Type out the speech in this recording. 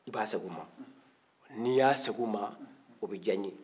i b'a segin u ma n'i y'a segin u ma o bɛ diya n ye